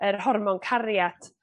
yr hormon cariat